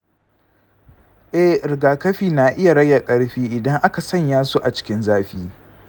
eh, rigakafi na iya rage karfi idan aka sanya su a cikin zafi.